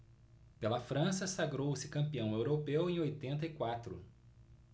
pela frança sagrou-se campeão europeu em oitenta e quatro